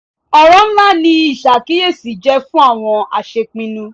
Ọ̀ràn ńlá ni ìṣàkíyèsí jẹ́ fún àwọn aṣèpinnu.